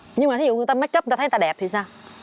nhưng mà ví dụ người ta mếch cắp người ta ta đẹp thì sao